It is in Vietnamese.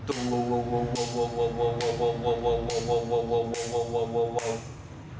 tù wow wow wow wow wow wow wow wow wow wow wow wow wow wow wow wow wow wow wow